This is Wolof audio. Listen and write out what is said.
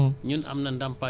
parce que si tali bi nga nekk